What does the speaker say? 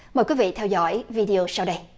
mời quý vị theo dõi vi đê ô sau đây